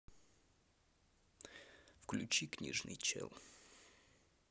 включи книжный чел